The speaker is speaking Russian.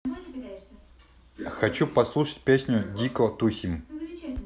хочу послушать песню дико тусим